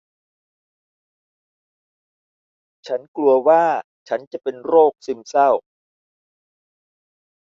ฉันกลัวว่าฉันจะเป็นโรคซึมเศร้า